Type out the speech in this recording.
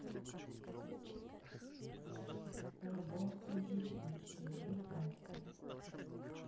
рыбалка в якутии рыбалка